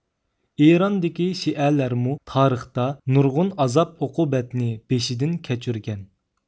ئىراندىكى شىئەلەرمۇ تارىختا نۇرغۇن ئازاب ئوقۇبەتنى بېشىدىن كەچۈرگەن